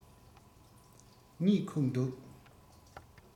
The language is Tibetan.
གཉིད ཁུག འདུག